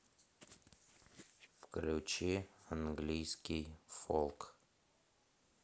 включи английский фолк